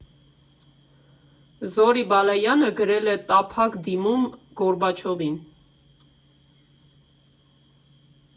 Զորի Բալայանը գրել է տափակ դիմում Գորբաչովին։